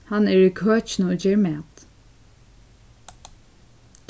hann er í køkinum og ger mat